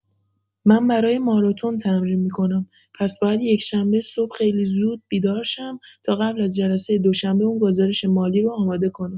من برای ماراتن تمرین می‌کنم، پس باید یکشنبه صبح خیلی زود بیدار شم تا قبل از جلسه دوشنبه اون گزارش مالی رو آماده کنم.